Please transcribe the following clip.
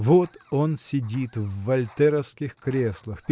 Вот он сидит в вольтеровских креслах.